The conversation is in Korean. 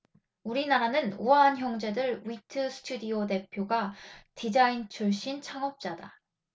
우리나라는 우아한형제들 위트 스튜디오 대표가 디자인 출신 창업자다